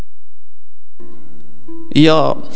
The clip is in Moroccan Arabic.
يا